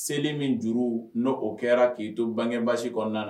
Seli min juru n'o o kɛra k'i to bange baasi kɔnɔna na